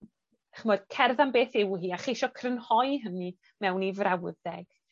ch'mod cerdd am beth yw hi a cheisio crynhoi hynny mewn i frawddeg.